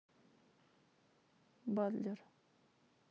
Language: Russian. батлер